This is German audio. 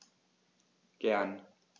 Gern.